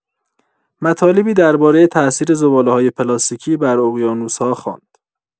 مطالبی درباره تاثیر زباله‌های پلاستیکی بر اقیانوس‌ها خواند.